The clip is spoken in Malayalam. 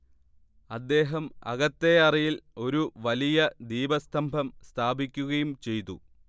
അദ്ദേഹം അകത്തെ അറയിൽ ഒരു വലിയ ദീപസ്തംഭം സ്ഥാപിക്കുകയും ചെയ്തു